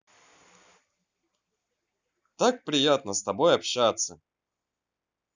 так приятно с тобой общаться